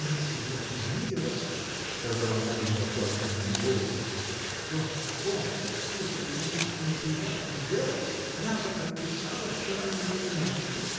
— Если б я предвидела, — сказала она глубоко обиженным голосом, — что он впутает меня в неприятное дело, я бы отвечала вчера ему иначе.